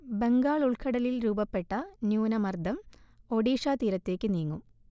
ബംഗാൾ ഉൾക്കടലിൽ രൂപപ്പെട്ട ന്യൂനമർദം ഒഡിഷാതീരത്തേക്ക് നീങ്ങും